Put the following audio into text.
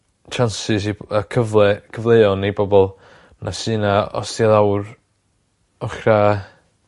chances i yy cyfle cyfleon i pobol na sy 'na os ti lawr ochra